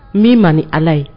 Min man ni ala ye